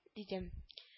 — дидем